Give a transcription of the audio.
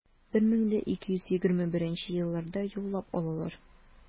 1221 елларда яулап алалар.